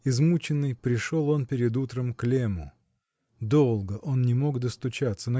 Измученный, пришел он перед утром к Лемму. Долго он не мог достучаться